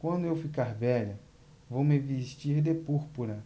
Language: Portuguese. quando eu ficar velha vou me vestir de púrpura